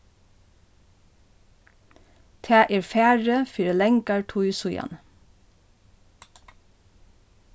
tað er farið fyri langari tíð síðani